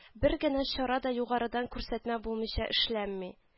Бер генә чара да югарыдан күрсәтмә булмыйча эшләнми